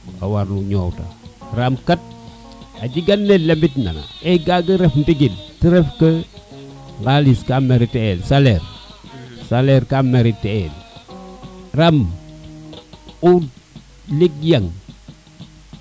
a war no ñoow ta ram kat a jegalen lemit na e gaga ref ndigil te ref ke ŋalis ka meriter el salaire salaire meriter el salaire ram o ligel yan